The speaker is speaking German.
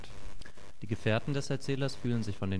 Gefährten des Erzählers fühlen sich von